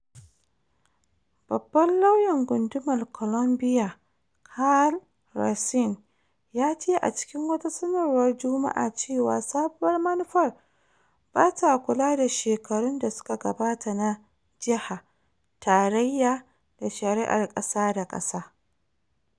Babban Lauyan Gundumar Columbia Karl Racine, ya ce a cikin wata sanarwar Juma'a cewa sabuwar manufar "ba ta kula da shekarun da suka gabata na jaha, tarayya, da shari’ar kasa da kasa."